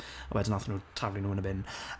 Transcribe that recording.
A wedyn wnaethon nhw taflu nhw yn y bin.